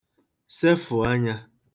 sefụ̀ anyā